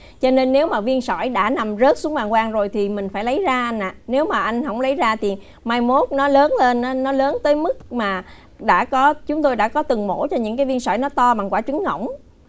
cho nên nếu mà viên sỏi đã nằm rớt xuống bàng quang rồi thì mình phải lấy ra nà nếu mà anh không lấy ra thì mai mốt nó lớn lên nó lớn tới mức mà đã có chúng tôi đã có từng mổ cho những cái viên sỏi nó to bằng quả trứng ngỗng